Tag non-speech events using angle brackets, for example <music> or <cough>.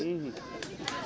<hesitation> <hesitation> <crosstalk>